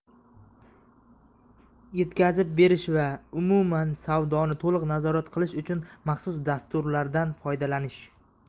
yetkazib berish va umuman savdoni to'liq nazorat qilish uchun maxsus dasturlardan foydalanish